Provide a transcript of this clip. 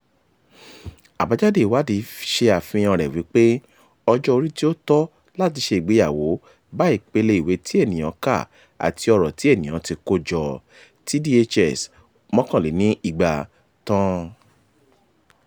Àbájáde ìwádìí ṣe àfihàn-an rẹ̀ wípé ọjọ́ orí tí ó tọ́ láti ṣe ìgbéyàwó bá ìpele ìwé tí ènìyàn kà àti ọrọ̀ tí ènìyán ti kó jọ (TDHS 201) tan.